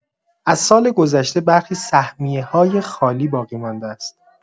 از سال‌گذشته، برخی سهمیه‌های خالی باقی‌مانده است.